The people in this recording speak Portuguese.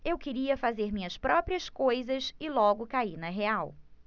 eu queria fazer minhas próprias coisas e logo caí na real